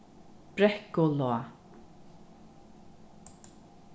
brekkulág